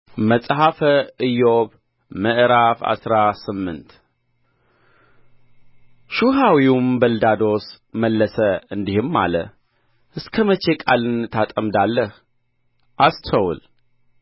መጽሐፈ ኢዮብ ምዕራፍ አስራ ስምንት ሹሐዊውም በልዳዶስ መለሰ እንዲህም አለ እስከ መቼ ቃልን ታጠምዳለህ አስተውል